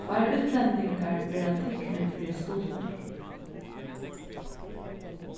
tveir útlendingar verða tiknir fyri stuldur